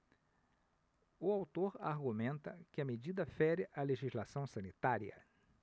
o autor argumenta que a medida fere a legislação sanitária